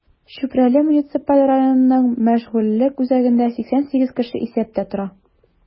Чүпрәле муниципаль районының мәшгульлек үзәгендә 88 кеше исәптә тора.